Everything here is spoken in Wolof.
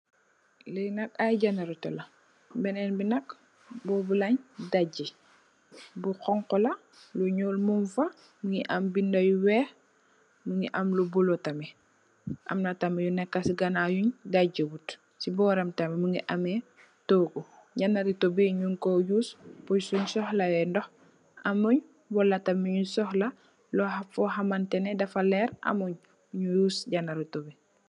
Li nak i generator la benen bi nak bobuleng daagi bu hunhula bu nyul mungfa Mungi am benda yu weih mungi am lo bolow tamit amna tamit yu neka sey ganaw yung daagi wud sey boram tamit Mungi ammeh togu. Generator bi nyunkoi use pull sunj sohlah yeh ndoh amung wala tamit nyu sohlah for hamneh dafa leer amung nyu use generator bi.